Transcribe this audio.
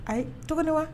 A ye cogo wa